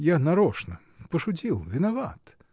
— Я нарочно, пошутил, виноват!.